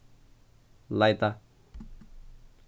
leita